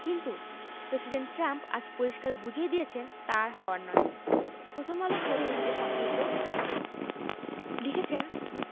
কিন্তু president Trump আজ পরিষ্কার বুঝিয়ে দিয়েছেন তা আর হওয়ার নয় প্রথমআলো পোর্টাল হতে সংগৃহীত লিখেছেন